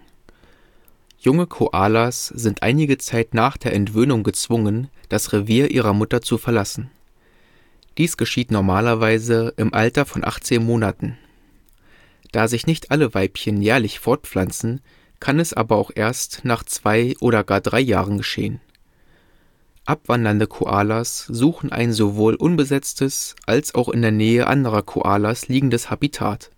Junge Koalas sind einige Zeit nach der Entwöhnung gezwungen, das Revier ihrer Mutter zu verlassen. Dies geschieht normalerweise im Alter von 18 Monaten. Da sich nicht alle Weibchen jährlich fortpflanzen, kann es aber auch erst nach zwei oder gar drei Jahren geschehen. Abwandernde Koalas suchen ein sowohl unbesetztes als auch in der Nähe anderer Koalas liegendes Habitat